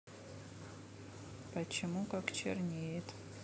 почему как чернеет